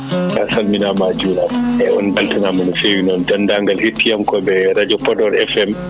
eeyi a saliminaama a juuraama eeyi on mbeltanaama no feewi noon denndaangal hettiyankooɓe radio Podor FM